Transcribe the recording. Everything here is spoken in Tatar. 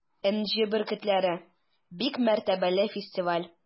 “энҗе бөртекләре” - бик мәртәбәле фестиваль.